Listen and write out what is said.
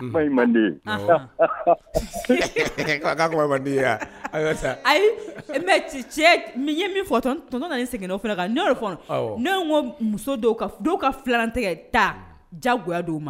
Ayi cɛ ye min fɔ segin ko muso dɔw dɔw ka filan tigɛ ta jagoya dɔw ma